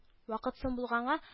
Вакыт соң булганга